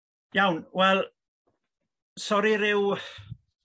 Iawn wel sori ryw